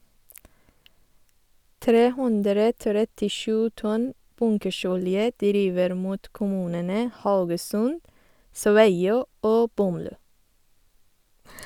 337 tonn bunkersolje driver mot kommunene Haugesund, Sveio og Bømlo.